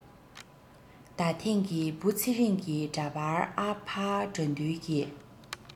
ད ཐེངས ཀྱི བུ ཚེ རིང གི འདྲ པར ཨ ཕ དགྲ འདུལ གྱི